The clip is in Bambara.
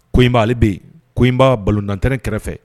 Ko in b'ale bɛ ko in b'a balotant kɛrɛfɛ